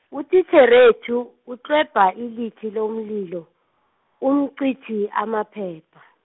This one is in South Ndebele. utitjherethu utlwebhe ilithi lomlilo, umqithi amaphepha.